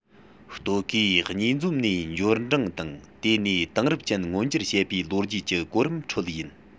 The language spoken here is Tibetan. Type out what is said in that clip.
ལྟོ གོས གཉིས འཛོམས ནས འབྱོར འབྲིང དང དེ ནས དེང རབས ཅན མངོན འགྱུར བྱེད པའི ལོ རྒྱུས ཀྱི གོ རིམ ཁྲོད ཡིན